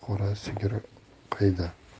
qora sigir qayda